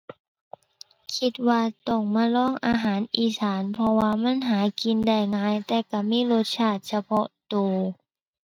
คิดว่าต้องมาลองอาหารอีสาน เพราะว่ามันหากินได้หลายแต่ก็มีรสชาติเฉพาะก็